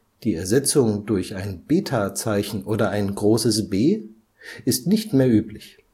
Die Ersetzung durch „ β “(Beta) oder „ B “ist nicht mehr üblich